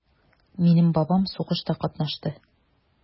Минем бабам сугышта катнашты.